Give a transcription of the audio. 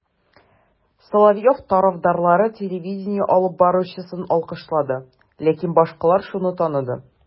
Соловьев тарафдарлары телевидение алып баручысын алкышлады, ләкин башкалар шуны таныды: